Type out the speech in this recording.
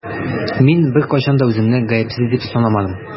Мин беркайчан да үземне гаепсез дип санамадым.